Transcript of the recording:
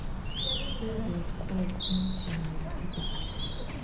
эдвард радзинский на ютубе